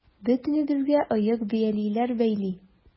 Бөтенебезгә оек-биялиләр бәйли.